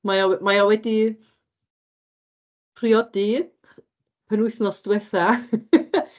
Mae o... mae o wedi priodi penwythnos diwethaf.